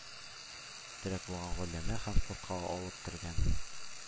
Терәк булган гаиләмә һәм спортка алып кергән